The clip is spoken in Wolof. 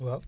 waaw